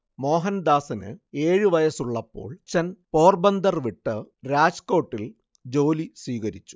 മോഹൻദാസിന് ഏഴു വയസ്സുള്ളപ്പോൾ അച്ഛൻ പോർബന്ദർ വിട്ട് രാജ്കോട്ടിൽ ജോലി സ്വീകരിച്ചു